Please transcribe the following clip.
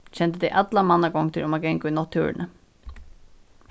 kendu tey allar mannagongdir um at ganga í náttúruni